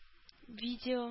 Видео